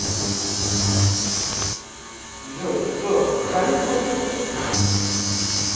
джой что зависло все